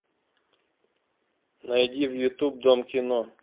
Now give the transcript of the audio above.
найди на ютуб дом кино